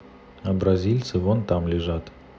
а бразильцы вон там лежат